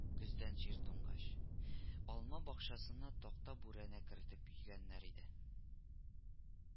Көздән җир туңгач, алма бакчасына такта-бүрәнә кертеп өйгәннәр иде